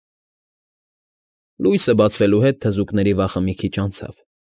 Լույսը բացվելու հետ թզուկների վախը մի քիչ անցավ։